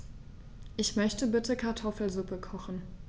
Ich möchte bitte Kartoffelsuppe kochen.